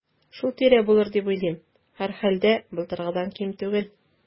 Шул тирә булыр дип уйлыйм, һәрхәлдә, былтыргыдан ким түгел.